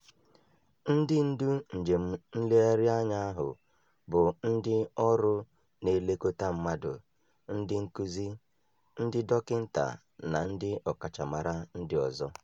Ndị ndu njem nlegharị anya ahụ bụ ndị ọrụ na-elekọta mmadụ, ndị nkuzi, ndị dọkịta na ndị ọkachamara ndị ọzọ.